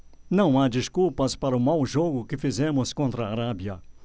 não há desculpas para o mau jogo que fizemos contra a arábia